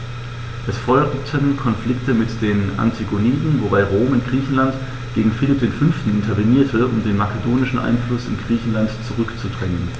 Es folgten Konflikte mit den Antigoniden, wobei Rom in Griechenland gegen Philipp V. intervenierte, um den makedonischen Einfluss in Griechenland zurückzudrängen.